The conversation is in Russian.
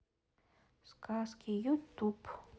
сказки ютуб